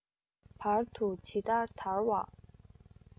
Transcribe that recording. བར དུ ཇི ལྟར དར བ